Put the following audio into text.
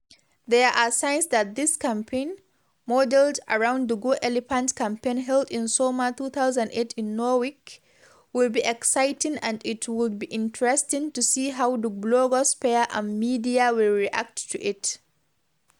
There are signs that this campaign – modeled around the Go Elephants campaign held in Summer 2008 in Norwich- will be exciting and it would be interesting to see how the blogosphere and media will react to it.